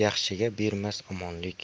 yaxshiga berrnas omonlik